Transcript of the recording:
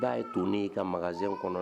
I'a ye to t ne' ka mazɔn kɔnɔ